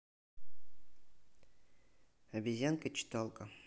обезьянка читалка